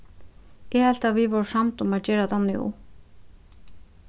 eg helt at vit vóru samd um at gera tað nú